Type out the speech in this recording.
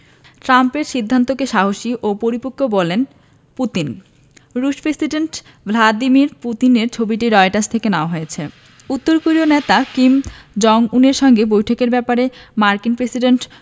ট্রাম্পের সিদ্ধান্তকে সাহসী ও পরিপক্ব বললেন পুতিন রুশ প্রেসিডেন্ট ভ্লাদিমির পুতিনের ছবিটি রয়টার্স থেকে নেয়া হয়েছে উত্তর কোরীয় নেতা কিম জং উনের সঙ্গে বৈঠকের ব্যাপারে মার্কিন প্রেসিডেন্ট